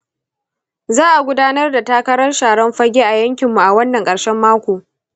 za a gudanar da takarar sharan-fage a yankinmu a wannan ƙarshen mako.